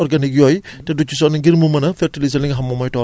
naka la mën a def moom ba mën a jot ci matière organique yooyu